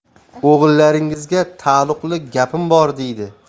o'g'illaringizga taalluqli gapim bor deydi